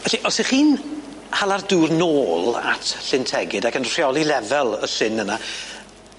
Felly os 'ych chi'n hala'r dŵr nôl at Llyn Tegid ac yn rheoli lefel y llyn yna